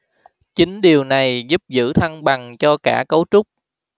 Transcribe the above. chính điều này giúp giữ thăng bằng cho cả cấu trúc